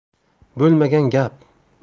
bo'lmagan gap